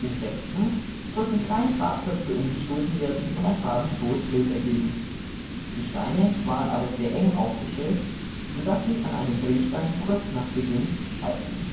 sechsten sollten kleine Farbtöpfe umgestossen werden und ein farbenfrohes Bild ergeben. Die Steine waren aber sehr eng aufgestellt so dass sie an einem Drehstein kurz nach Beginn scheiterten